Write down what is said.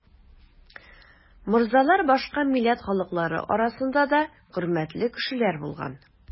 Морзалар башка милләт халыклары арасында да хөрмәтле кешеләр булган.